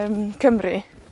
yym, Cymru,